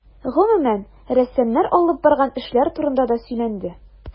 Гомүмән, рәссамнар алып барган эшләр турында да сөйләнде.